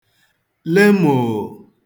le mòò